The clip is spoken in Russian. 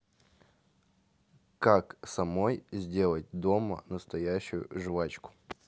как самой сделать дома настоящую жвачку